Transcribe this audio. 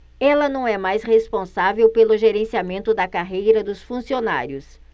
ela não é mais responsável pelo gerenciamento da carreira dos funcionários